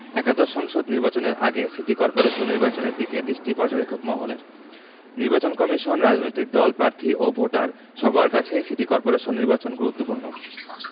একাদশ সংসদ নির্বাচনের আগে সিটি করপোরেশন নির্বাচনের দিকে দৃষ্টি পর্যবেক্ষক মহলের নির্বাচন কমিশন রাজনৈতিক দল প্রার্থী ও ভোটার সবার কাছেই সিটি করপোরেশন নির্বাচন গুরুত্বপূর্ণ